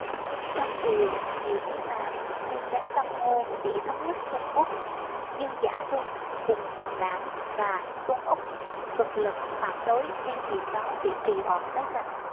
trong triều nhiều tướng bàn nên đánh đông ngô để thống nhất trung quốc nhưng giả sung cùng phùng đảm và tuân úc cực lực phản đối nên việc đó bị trì hoãn mấy lần